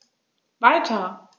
Weiter.